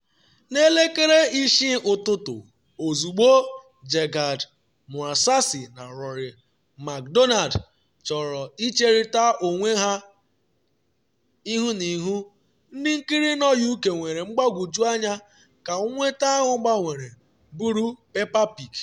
N’elekere 6 ụtụtụ, ozugbo Gegard Mousasi na Rory MacDonald chọrọ icherịta onwe ha ihu n’ihu, ndị nkiri nọ UK nwere mgbagwoju anya ka nweta ahụ gbanwere bụrụ Peppa Pig.